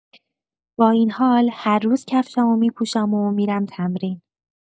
با این حال، هر روز کفشمو می‌پوشم و می‌رم تمرین.